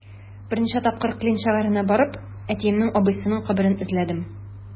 Берничә тапкыр Клин шәһәренә барып, әтиемнең абыйсының каберен эзләдем.